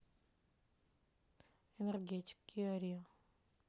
энергетик киа рио